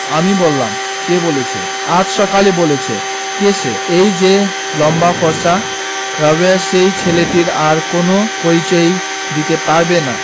আমি বললাম কে বলেছে আজ সকালে বলেছে কে সে ঐ যে লম্বা ফর্সা রাবেয়া সেই ছেলেটির আর কোন পরিচয়ই দিতে পারবে না